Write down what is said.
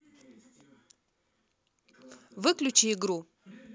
выключи игру